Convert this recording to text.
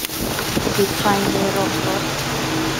ปิดไฟในโรงรถ